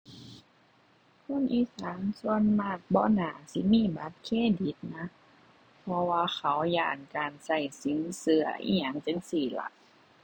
คนอีสานส่วนมากบ่น่าสิมีบัตรเครดิตนะ เพราะว่าเขาย้านการใช้สินเชื่ออิหยังจั่งซี้ล่ะ